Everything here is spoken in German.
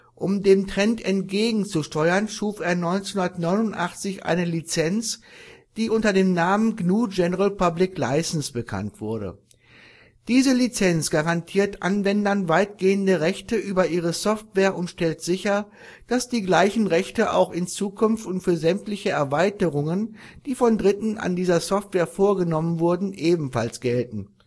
Um dem Trend entgegenzusteuern, schuf er 1989 eine Lizenz, die unter dem Namen GNU General Public License (GNU GPL) bekannt wurde. Diese Lizenz garantiert Anwendern weitgehende Rechte über ihre Software und stellt sicher, dass die gleichen Rechte auch in Zukunft und für sämtliche Erweiterungen, die von Dritten an dieser Software vorgenommen wurden, ebenfalls gelten